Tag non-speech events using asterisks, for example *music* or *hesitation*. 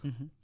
*hesitation* *hesitation*